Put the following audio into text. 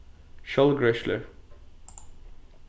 sjálvgreiðslur